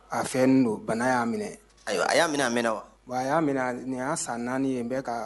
A fɛn ni don, bana y'a minɛ. Ayiwa a y'a minɛ a mɛnna wa? Bon a y'a minɛ nin y'a san 4 ye n bɛ ka